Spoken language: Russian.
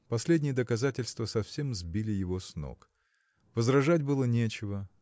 Последние доказательства совсем сбили его с ног. Возражать было нечего